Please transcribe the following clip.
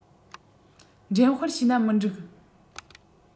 འགྲེམས སྤེལ བྱས ན མི འགྲིག